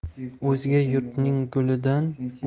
o'zga yurtning gulidan